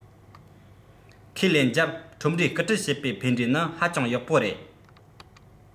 ཁས ལེན རྒྱབ ཁྲོམ རའི སྐུལ ཁྲིད བྱེད པའི ཕན འབྲས ནི ཧ ཅང ཡག པོ རེད